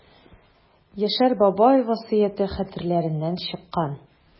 Яшәр бабай васыяте хәтерләреннән чыккан.